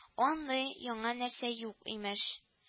Андый яңа нәрсә юк имеш